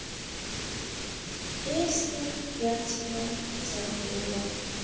песня я тебя забыла